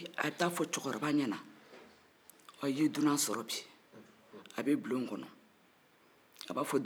ɔ i ye dunan sɔrɔ bi a bɛ bulon kɔnɔ a b'a fɔ dunan bɛ min